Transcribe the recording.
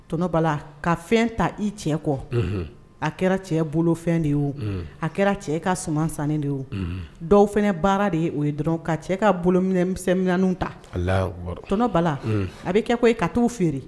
Tɔnɔ bala ka fɛn ta i cɛ kɔ a kɛra cɛ bolofɛn de ye o a kɛra cɛ ka sumansan de oo dɔw fana baara de o ye dɔrɔn ka cɛ ka bolo ta tɔnɔ bala a bɛ kɛ ko e ka t taa feere